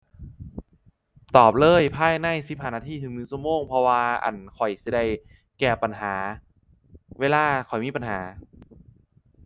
ตอบเลยภายในสิบห้านาทีถึงหนึ่งชั่วโมง เพราะว่า อั่น ข้อยสิได้แก้ปัญหา เวลาข้อยมีปัญหา